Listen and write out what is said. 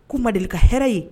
Kuma ma deli ka hɛrɛ ye